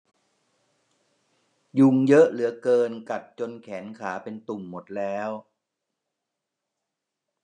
ยุงเยอะเหลือเกินกัดจนแขนขาเป็นตุ่มหมดแล้ว